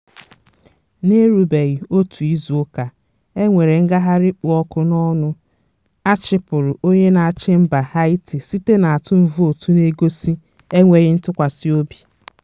Na-erubeghi otu izu ụka e nwere ngagharị kpụ ọkụ n'ọnụ, a chịpụrụ onye na-achị mba Haiti site n'atụm votu na-egosi enweghị ntụkwasị obi.